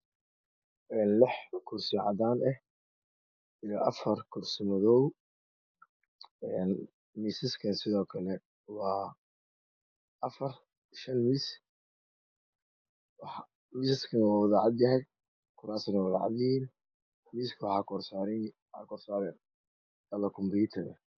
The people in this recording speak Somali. Waa lix kursi oo cadaan ah iyo afar kursi oo madow ah. Miisaskana waa shan miis oo cad waxaa saaran dholo iyo kumiitar.